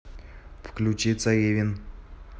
включи царевин